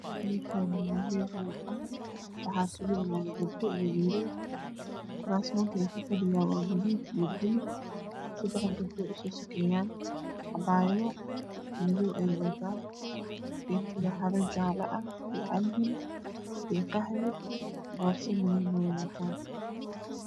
Meshani waa mel hol ah waxaa iskugu imaday wiilaal iyo gabdho kurasmankaay ku fdhiyan waa gaduud iyo buluug sedax gabdhod usoo sokeeyan cabayad madow ayeey waatan iyo turaxado jalo ah iyo iyo qaxwi borso madow na waa watan